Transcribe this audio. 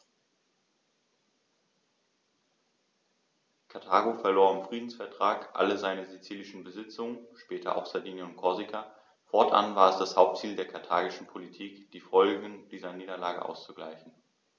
Karthago verlor im Friedensvertrag alle seine sizilischen Besitzungen (später auch Sardinien und Korsika); fortan war es das Hauptziel der karthagischen Politik, die Folgen dieser Niederlage auszugleichen.